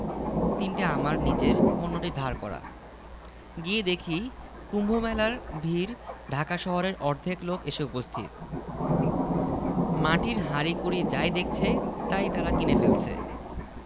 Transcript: তিনটি আমার নিজের অন্যটি ধার করা গিয়ে দেখি কুম্ভমেলার ভিড় ঢাকা শহরের অর্ধেক লোক এসে উপস্থিত মাটির হাঁড়িকুরি যাই দেখছে তাই তারা কিনে ফেলছে